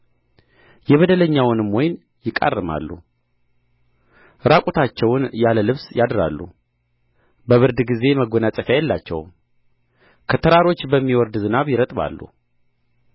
የበደለኛውንም ወይን ይቃርማሉ ራቁታቸውን ያለ ልብስ ያድራሉ በብርድ ጊዜ መጐናጸፊያ የላቸውም ከተራሮች በሚወርድ ዝናብ ይረጥባሉ